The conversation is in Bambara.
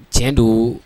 Tiɲɛ don